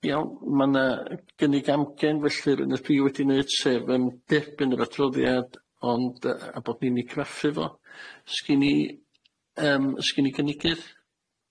Iawn ma' 'na yy gynnig amgen felly, yr un y dwi wedi neud sef yym derbyn yr adroddiad ond yy- a bod ni'n 'i graffu fo. Sgin i yym sgin i gynigydd?